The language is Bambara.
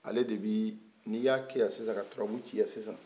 ale de bi n'i y'a kɛyan sisan ka turabu ci yan sisan